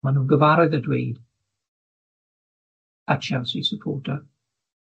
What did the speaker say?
Ma' nw'n gyfarwydd â dweud a Chelsea supporter